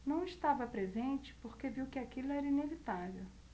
não estava presente porque viu que aquilo era inevitável